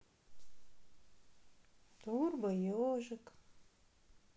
турбо ежик